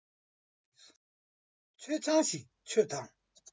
མཆོད ཆང ཞིག མཆོད དང